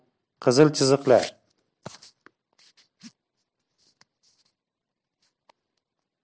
qizil chiziqlar